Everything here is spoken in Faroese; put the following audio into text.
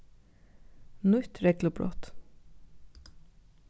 nýtt reglubrot